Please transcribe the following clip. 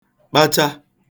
kpacha